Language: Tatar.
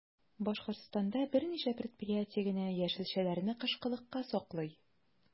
Башкортстанда берничә предприятие генә яшелчәләрне кышкылыкка саклый.